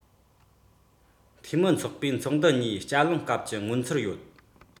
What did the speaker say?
འཐུས མི ཚོགས པས ཚོགས འདུ གཉིས བསྐྱར གླེང སྐབས ཀྱི མངོན ཚུལ ཡོད